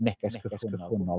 Neges gychwynnol.